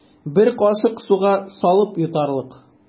Бер кашык суга салып йотарлык.